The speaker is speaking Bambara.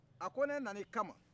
a ko ne nan'i ka ma